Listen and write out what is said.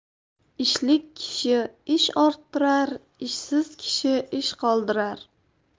ishlik kehb ish orttirar ishsiz kehb ish qoldirar